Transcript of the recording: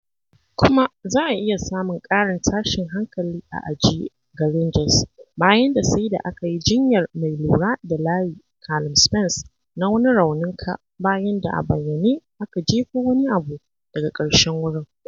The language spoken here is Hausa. Kuma za a iya samun ƙarin tashin hankali a ajiye ga Rangers bayan da sai da aka yi jinyar mai lura da layi Calum Spence na wani raunin ka bayan da a bayyane aka jefo wani abu daga ƙarshen wurin.